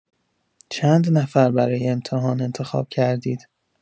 چند نفر برای امتحان انتخاب کردید؟